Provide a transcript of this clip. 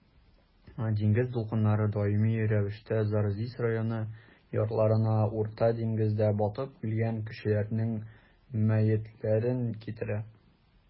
Диңгез дулкыннары даими рәвештә Зарзис районы ярларына Урта диңгездә батып үлгән кешеләрнең мәетләрен китерә.